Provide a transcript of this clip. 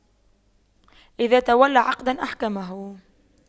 إذا تولى عقداً أحكمه